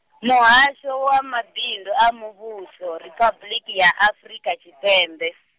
Muhasho wa Mabindu a Muvhuso Riphabuḽiki ya Afrika Tshipembe.